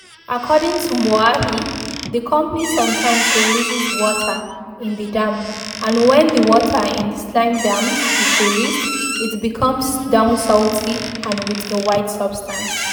According to Moahi, the company sometimes releases water in the dam, and when the water in the slime dams is released, it comes down salty and with a white substance.